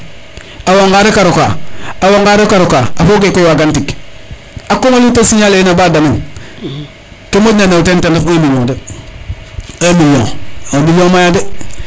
a wonga rek a roka a wonga rek a roka a foge koy wagan tig a komalu te signaler ena ba damel ke moƴ na neew teen ten ref un million :far de un million un million maya de